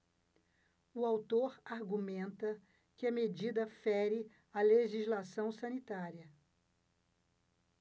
o autor argumenta que a medida fere a legislação sanitária